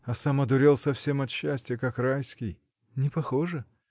а сам одурел совсем от счастья, как Райский. — Не похоже!